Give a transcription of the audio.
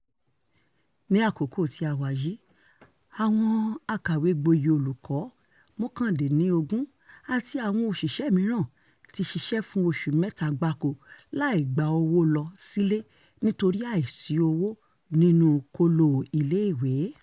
Ní àkókò tí a wà yìí, àwọn àkàwé-gboyè olùkọ́ 19 àti àwọn òṣìṣẹ́ mìíràn ti ṣiṣẹ́ fún oṣù mẹ́ta gbáko láì gba owó lọ sílé nítorí àìsí owó nínúu kóló iléèwé.